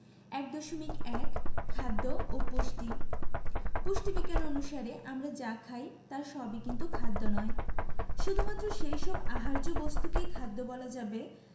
১.১ খাদ্য ও পুষ্টি পুষ্টিবিজ্ঞান অনুসারে আমরা যা খাই তার সবই কিন্তু খাদ্য নয় শুধুমাত্র সেই সব আহার্য বস্তুকেই খাদ্য বলা যাবে